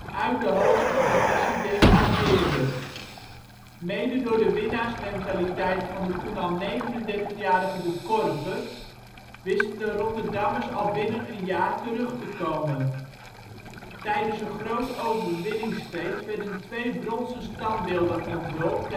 uit de hoogste divisie degradeerde. Mede door de winnaarsmentaliteit van de toen al 39-jarige De Korver wisten de Rotterdammers al binnen een jaar terug te komen. Tijdens een groot overwinningsfeest werden twee bronzen standbeelden onthuld